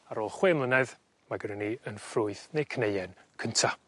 ar ôl chwe mlynedd ma' gynnon ni 'yn ffrwyth neu cneuen cynta.